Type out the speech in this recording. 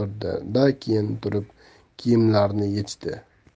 o'tirdi da keyin turib kiyimlarini yechdi